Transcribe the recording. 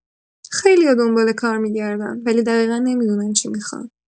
خیلی‌ها دنبال کار می‌گردن، ولی دقیقا نمی‌دونن چی می‌خوان.